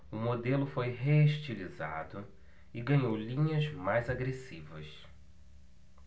o modelo foi reestilizado e ganhou linhas mais agressivas